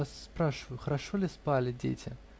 Я вас спрашиваю, хорошо ли спали дети?